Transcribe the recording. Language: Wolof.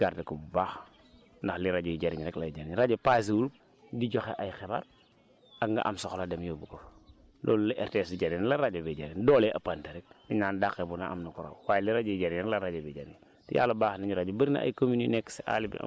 rajo bi daal dañ ko war a toppatoo garder ko bu baax ndax li rajo yiy jëriñ rek lay jëriñ rajo passé wul di joxe ay xibaar ak nga am soxla dem yóbbu ko fa loolu la RTS di jëriñ la rajo biy jëriñ doole yee ëppante rek li ñu naan dàqe bu ne am na ku raw waaye li rajo yiy jëriñ rek la rajo bi di jëriñ